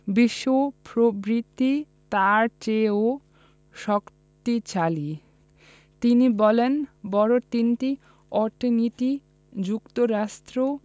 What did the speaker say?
বিশ্ব প্রবৃদ্ধি তার চেয়েও শক্তিশালী তিনি বলেন বড় তিনটি অর্থনীতি যুক্তরাষ্ট্র